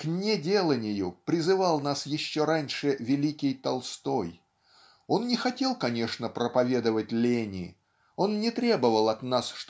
К "неделанию" призывал нас еще раньше великий Толстой. Он не хотел конечно проповедовать лени он не требовал от нас